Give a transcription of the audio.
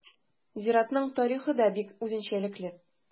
Зиратның тарихы да бик үзенчәлекле.